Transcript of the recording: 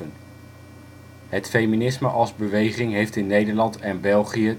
feminisme als beweging heeft in Nederland en België